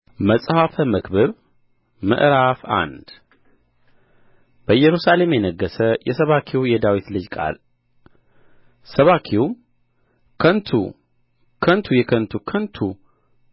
መጽሐፈ መክብብ ምዕራፍ አንድ በኢየሩሳሌም የነገሠ የሰባኪው የዳዊት ልጅ ቃል ሰባኪው ከንቱ ከንቱ የከንቱ ከንቱ